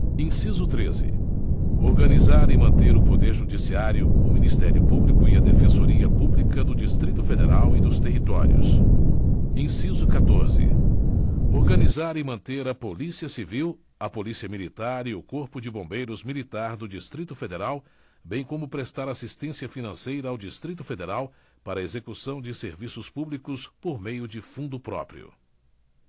inciso treze organizar e manter o poder judiciário o ministério público e a defensoria pública do distrito federal e dos territórios inciso catorze organizar e manter a polícia civil a polícia militar e o corpo de bombeiros militar do distrito federal bem como prestar assistência financeira ao distrito federal para execução de serviços públicos por meio de fundo próprio